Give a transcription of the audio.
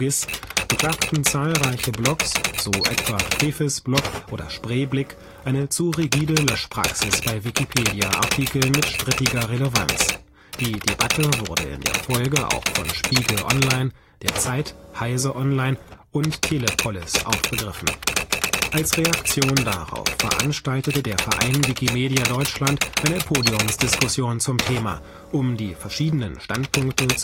MOGIS) beklagten zahlreiche Blogs, so etwa Fefes Blog oder Spreeblick, eine zu rigide Löschpraxis bei Wikipedia-Artikeln mit strittiger Relevanz. Die Debatte wurde in der Folge auch von Spiegel Online, der Zeit, Heise online und Telepolis aufgegriffen. Als Reaktion darauf veranstaltete der Verein Wikimedia Deutschland eine Podiumsdiskussion zum Thema, um die verschiedenen Standpunkte